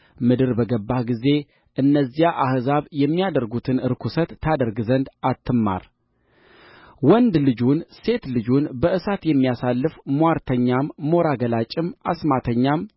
ምድር በገባህ ጊዜ እነዚያ አሕዛብ የሚያደርጉትን ርኵሰት ታደርግ ዘንድ አትማር ወንድ ልጁን ሴት ልጁን በእሳት የሚያሳልፍ ምዋርተኛም ሞራ ገላጭም አስማተኛም